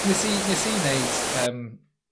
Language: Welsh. Nes i nes i neud yym